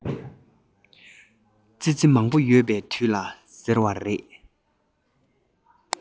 ཙི ཙི མང པོ ཡོད པའི དུས ལ ཟེར བ རེད